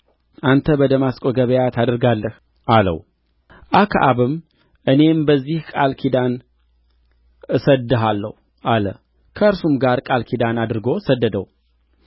አንተ በደማስቆ ገበያ ታደርጋለህ አለው አክዓብም እኔም በዚህ ቃል ኪዳን እሰድድሃለሁ አለ ከእርሱም ጋር ቃል ኪዳን አድርጎ ሰደደው